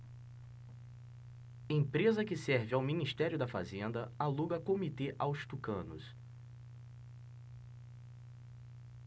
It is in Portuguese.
empresa que serve ao ministério da fazenda aluga comitê aos tucanos